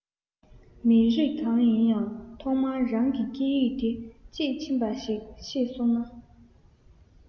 མི རིགས གང ཡིན ཡང ཐོག མར རང གི སྐད ཡིག དེ དཔྱིས ཕྱིན པ ཞིག ཤེས སོང ན